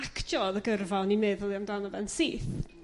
actio o'dd y gyrfa o'n i'n meddwl amdano fe yn syth.